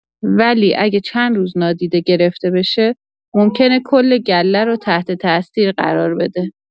ولی اگه چند روز نادیده گرفته بشه، ممکنه کل گله رو تحت‌تأثیر قرار بده.